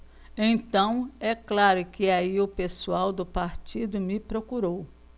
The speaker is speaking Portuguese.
então é claro que aí o pessoal do partido me procurou